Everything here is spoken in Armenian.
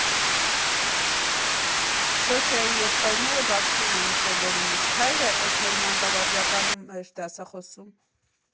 Սոֆյայի եղբայրները Բաքվում էին սովորում, իսկ հայրը էս մեր մանկավարժականում էր դասախոսում։